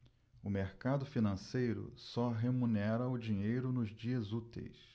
o mercado financeiro só remunera o dinheiro nos dias úteis